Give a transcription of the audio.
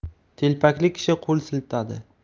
telpakli kishi qo'l siltadi